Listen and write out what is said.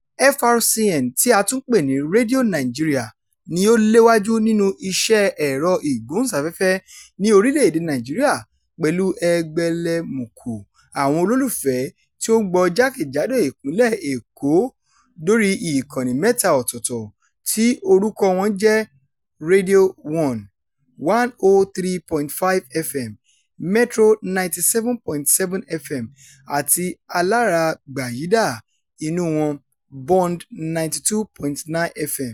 FRCN — tí a tún ń pè ní Radio Nigeria — ni ó léwájú nínúu iṣẹ́ẹ ẹ̀rọ-ìgbóhùnsáfẹ́fẹ́ ní orílẹ̀-èdèe Nàìjíríà, pẹ̀lú ẹgbẹlẹmùkù àwọn olólùfẹ́ tí ó ń gbọ́ ọ jákèjádò Ìpínlẹ̀ Èkó th oríi ìkànnì mẹ́ta ọ̀tọ̀ọ̀tọ̀, tí orúkọ wọ́n jẹ́: Radio One 103.5 FM, Metro 97.7 FM àti aláràa gbàyídá inúu wọn Bond 92.9 FM.